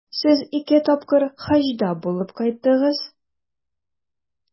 Сез ике тапкыр Хаҗда булып кайттыгыз.